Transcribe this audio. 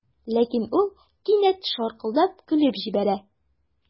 Ләкин ул кинәт шаркылдап көлеп җибәрә.